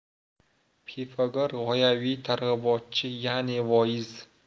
pifagor g'oyaviy targ'ibotchi ya'ni voiz